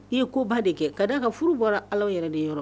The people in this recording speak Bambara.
I ye koba de kɛ ka d da a ka furu bɔra ala yɛrɛ de yɔrɔ